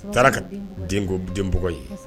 U taara ka denɔgɔ ye